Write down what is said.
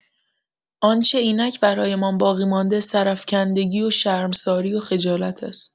آن‌چه اینک برایمان باقی‌مانده سرافکندگی و شرمساری و خجالت است.